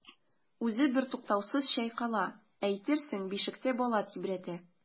Үзе бертуктаусыз чайкала, әйтерсең бишектә бала тибрәтә.